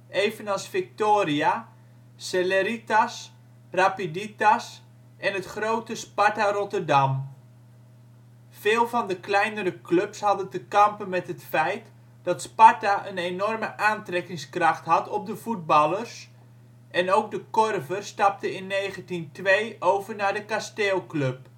evenals Victoria, Celeritas, Rapiditas en het grote Sparta Rotterdam. Veel van de kleinere clubs hadden te kampen met het feit dat Sparta een enorme aantrekkingskracht had op de voetballers, en ook De Korver stapte in 1902 over naar de Kasteelclub